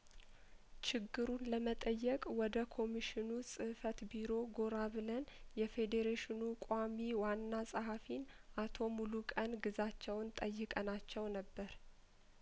ችግሩን ለመጠየቅ ወደ ኮሚሽኑ ጽፈት ቢሮ ጐራ ብለን የሬዴሬሽኑ ቋሚ ዋና ጸሀፊን አቶ ሙሉቀን ግዛቸውን ጠይቀናቸው ነበር